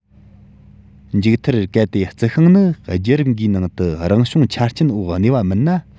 མཐར མཇུག གལ ཏེ རྩི ཤིང ནི རྒྱུད རབས འགའི ནང དུ རང བྱུང ཆ རྐྱེན འོག གནས པ མིན ན